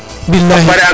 bilakhi